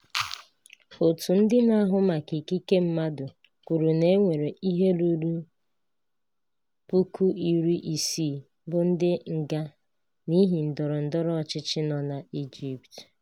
Òtù ndị na-ahụ maka ikike mmadụ kwuru na e nwere ihe ruru 60,000 bụ ndị nga n'ihi ndọrọ ndọrọ ọchịchị nọ na Egypt.